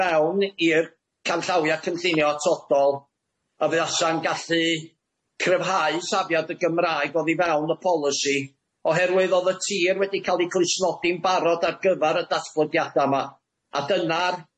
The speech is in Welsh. fewn i'r canllawia cynllunio atodol a fuasa'n gallu cryfhau safiad y Gymraeg oddi fewn y polisi oherwydd odd y tir wedi ca'l ei clusnodi'n barod ar gyfar y datblygiada yma a dyna'r